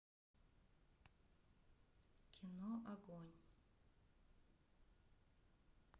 кино огонь